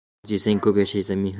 oz yesang ko'p yashaysan